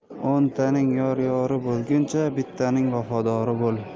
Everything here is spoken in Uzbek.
o'ntaning yor yori bo'lguncha bittaning vafodori bo'l